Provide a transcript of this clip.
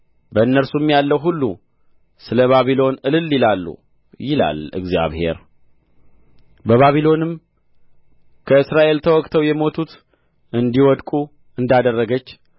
በእነርሱም ያለው ሁሉ ስለ ባቢሎን እልል ይላሉ ይላል እግዚአብሔር ባቢሎንም ከእስራኤል ተወግተው የሞቱት እንዲወድቁ እንዳደረገች